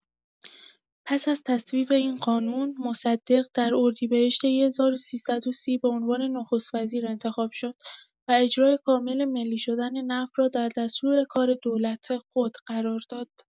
پس از تصویب این قانون، مصدق در اردیبهشت ۱۳۳۰ به‌عنوان نخست‌وزیر انتخاب شد و اجرای کامل ملی شدن نفت را در دستورکار دولت خود قرار داد.